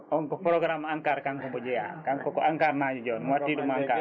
on ko programme ENCAR o jeeya on ko ENCAR naajo joni mi watti ɗum ENCAR